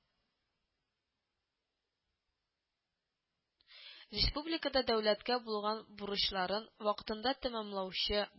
Республикада дәүләткә булган бурычларын вакытында тәмамлаучы